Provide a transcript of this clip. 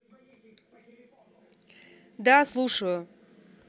да слушаю